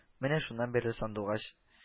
Менә шуннан бирле сандугач